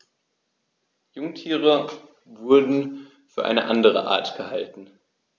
Jungtiere wurden für eine andere Art gehalten.